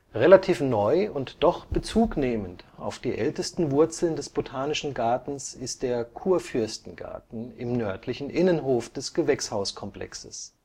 Relativ neu und doch bezugnehmend auf die ältesten Wurzeln des Botanischen Gartens ist der „ Kurfürstengarten “im nördlichen Innenhof des Gewächshauskomplexes